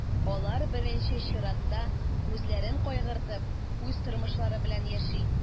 Алар, беренче чиратта, үзләрен кайгыртып, үз тормышлары белән яши.